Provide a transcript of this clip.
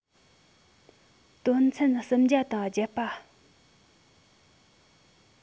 དོན ཚན སུམ བརྒྱ དང བརྒྱད པ